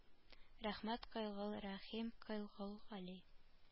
Рәхмәт кыйлгыл рәхим кыйл кол гали